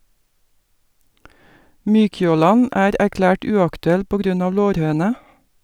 Mykjåland er erklært uaktuell på grunn av lårhøne.